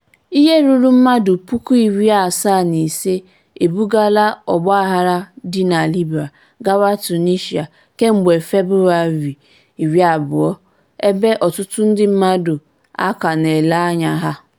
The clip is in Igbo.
Ihe rụrụ mmadụ 75,000 e bugala ọgbaghara dị na Libya gawa Tunisia kemgbe Febrụwarị 20 ebe ọtụtụ ndị mmadụ ka a ka na-ele anya ha.